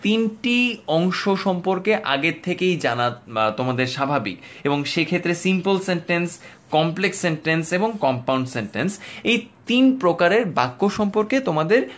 তিনটি অংশ সম্পর্কে আগে থেকেই জানা তোমাদের স্বাভাবিক এবং সেই ক্ষেত্রে সিম্পল সেন্টেন্স কমপ্লেক্স সেন্টেন্স এবং কমপাউন্ড সেন্টেন্স এই তিন প্রকারের বাক্য সম্পর্কে তোমাদের